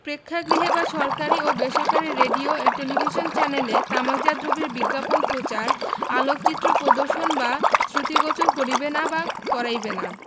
প্রেক্ষগ্রহে বা সরকারী ও বেসরকারী রেডিও এবং টেলিভিশন চ্যানেলে তামাকজাত দ্রব্যের বিজ্ঞাপন প্রচার আলেঅকচিত্র প্রদর্শন বা শ্রুতিগোচর করিবে না বা করাইবে না